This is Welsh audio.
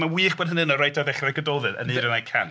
Mae'n wych bod hynny yna reit ar ddechrau Gododdin, "Aneurin a'i cant".